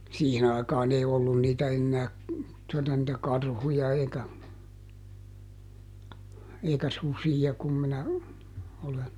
siihen aikaan ei ollut niitä enää tuota niitä karhuja eikä eikä susia kun minä olen